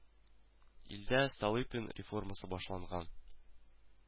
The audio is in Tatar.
Илдә столыпин реформасы башланган